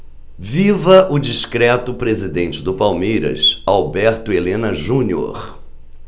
viva o discreto presidente do palmeiras alberto helena junior